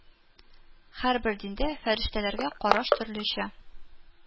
Һәрбер диндә фәрештәләргә караш төрлечә